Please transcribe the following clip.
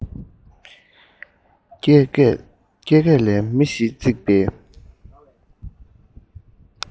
རྒྱ སྐས ལས མི ཞིག འཛེགས པའི